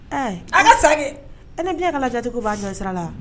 Ɛɛ an ka segin i ni bi kala jate ko b'a jɔ sira la